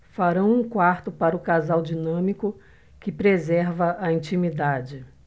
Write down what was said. farão um quarto para um casal dinâmico que preserva a intimidade